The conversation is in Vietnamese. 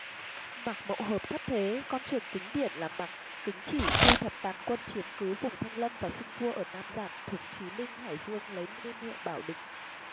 mạc mậu hợp thất thế con trưởng kính điển là mạc kính chỉ thu thập tàn quân chiếm cứ vùng thanh lâm và xưng vua ở nam giản thuộc chí linh hải dương lấy niên hiệu bảo định